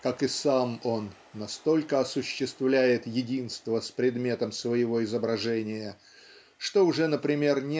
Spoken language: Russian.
как и сам он настолько осуществляет единство с предметом своего изображения что уже например